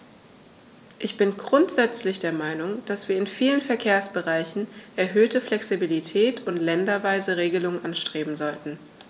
Ich bin grundsätzlich der Meinung, dass wir in vielen Verkehrsbereichen erhöhte Flexibilität und länderweise Regelungen anstreben sollten.